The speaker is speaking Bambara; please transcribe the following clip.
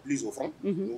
Zsonofa